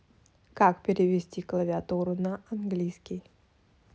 как перевести клавиатуру на английский